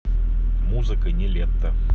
музыка нилетто